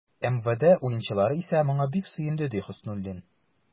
МВД уенчылары исә, моңа бик нык сөенде, ди Хөснуллин.